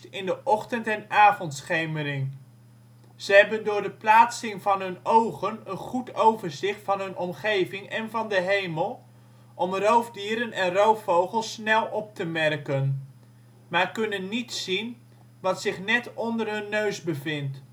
in de ochtend - en avondschemering. Ze hebben door de plaatsing van hun ogen een goed overzicht van hun omgeving en van de hemel, om roofdieren en roofvogels snel op te merken, maar kunnen niet zien wat zich net onder hun neus bevindt